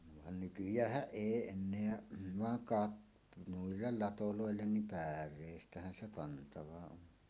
vaan nykyäänhän ei enää vaan - noille ladoille niin päreistähän se pantava on